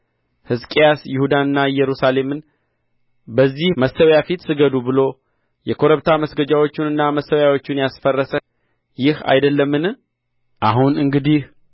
ሕዝቅያስ ይሁዳንና ኢየሩሳሌምን በዚህ መሠዊያ ፊት ስገዱ ብሎ የኮረብታ መስገጃዎቹንና መሠዊያዎቹን ይስፈረሰ ይህ አይደለምን አሁን እንግዲህ